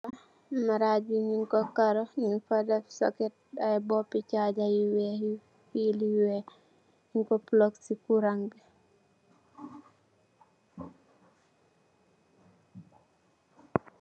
Marag bi nung ko karo nung fa deff socket ay boppi charger yu weeh yi, fill yu weeh nung ko plug ci kurang bi.